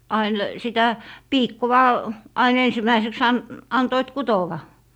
aina sitä piikkoa aina ensimmäiseksi - antoivat kutoa